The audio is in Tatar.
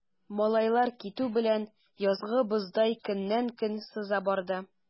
Малайлар китү белән, язгы боздай көннән-көн сыза барды.